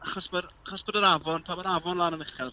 Achos mae'r... achos bod yr afon... pan mae'r afon lan yn uchel.